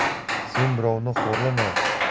sen birovni xo'rlama